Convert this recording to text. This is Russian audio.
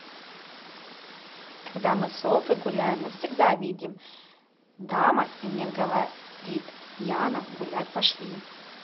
когда мы софы гуляем навсегда видит дама и мне говорит яна гулять пошли